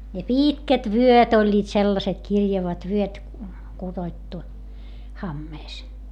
ja pitkät vyöt olivat sellaiset kirjavat vyöt kudottu hameessa